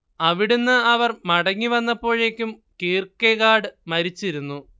അവിട്ന്ന് അവർ മടങ്ങി വന്നപ്പോഴേക്കും കീർക്കെഗാഡ് മരിച്ചിരുന്നു